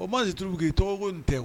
O ma si turuugu kɛ i tɔgɔgo tɛ